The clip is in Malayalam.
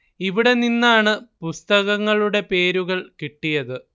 ഇവിടെ നിന്നാണ് പുസ്തകങ്ങളുടെ പേരുകൾ കിട്ടിയത്